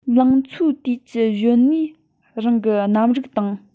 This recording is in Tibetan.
ལང ཚོའི དུས ཀྱི གཞོན ནུས རང གི རྣམ རིག དང